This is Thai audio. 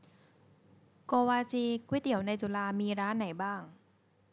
โกวาจีก๋วยเตี๋ยวในจุฬามีร้านไหนบ้าง